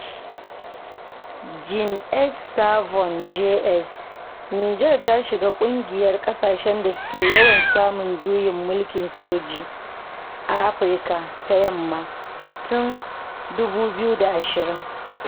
Jean Ssovon (JS): Nijar ta shiga ƙungiyar ƙasashen da suke yawan samun juyin mulkin soji a Afirka ta Yamma tun 2020.